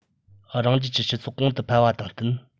རང རྒྱལ གྱི སྤྱི ཚོགས གོང དུ འཕེལ བ དང བསྟུན